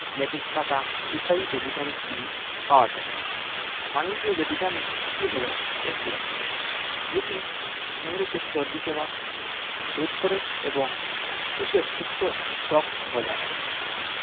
lettuce পাতা ইত্যাদিতে vitamin E পাওয়া যায় মানুষের শরীরে ভিটামিন E হলো এন্টিঅক্সিডেন্ট যেটি ধমনিতে চর্বি জমা রোধ করে এবং কোষের সুস্থ ত্বক বজায় রাখে